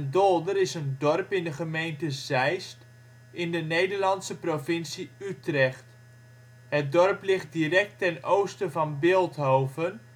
Dolder is een dorp in de gemeente Zeist, in de Nederlandse provincie Utrecht. Het dorp ligt direct ten oosten van Bilthoven